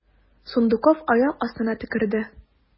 Сундуков аяк астына төкерде.